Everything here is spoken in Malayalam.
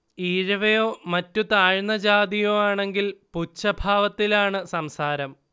ഈഴവയോ മറ്റ് താഴ്ന്ന ജാതിയോ ആണെങ്കിൽ പുച്ഛഭാവത്തിലാണ് സംസാരം